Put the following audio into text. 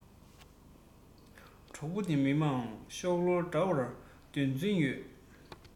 གྲོགས པོ ནི མི དམངས ཤོག ལོར འདྲ བར བདེན རྫུན ཡོད